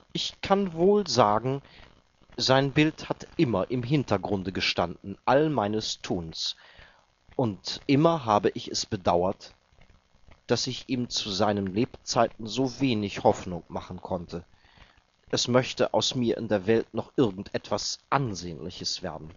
Ich kann wohl sagen, sein Bild hat immer im Hintergrunde gestanden all meines Tuns, und immer habe ich es bedauert, daß ich ihm zu seinen Lebzeiten so wenig Hoffnung machen konnte, es möchte aus mir in der Welt noch irgend etwas Ansehnliches werden